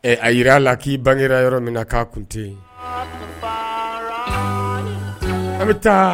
Ɛ a jira la k'i bangegra yɔrɔ min na k'a kun tɛ yen an bɛ taa